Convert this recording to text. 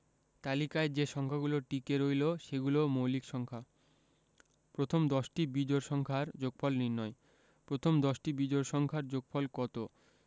তালিকায় যে সংখ্যাগুলো টিকে রইল সেগুলো মৌলিক সংখ্যা প্রথম দশটি বিজোড় সংখ্যার যোগফল নির্ণয় প্রথম দশটি বিজোড় সংখ্যার যোগফল কত